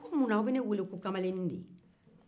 a ko munna aw bɛ ne weele ko kamalennin